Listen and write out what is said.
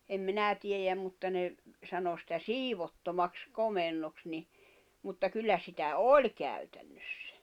en minä tiedä mutta ne sanoi sitä siivottomaksi komennoksi niin mutta kyllä sitä oli käytännössä